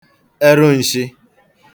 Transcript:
erụn̄shị̄